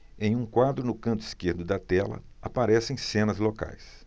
em um quadro no canto esquerdo da tela aparecem cenas locais